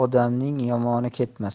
odamning yomoni ketmas